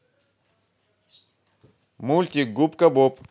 мультик губка боб